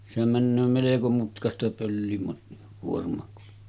sehän menee melko mutkaista - pöllikuorma kun